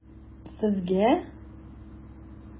Сезгә?